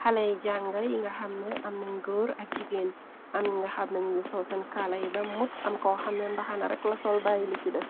Xaley jànga yi nga xamne am nañ gór ak jigéen. Am yi nga xamnañu yi soo seen kaalayi ba mut. Am ko xamne mbaxana rekk la sol bàyyilu ci des.